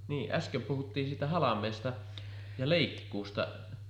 niin äsken puhuttiin siitä halmeesta ja leikkuusta